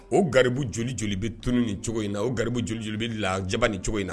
O garibu jolioli jolibe tuun ni cogo in na o garibu joli joli bɛ la jaba ni cogo in na